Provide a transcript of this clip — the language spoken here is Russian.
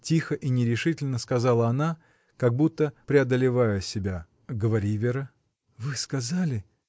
— тихо и нерешительно начала она, как будто преодолевая себя. — Говори, Вера. — Вы сказали.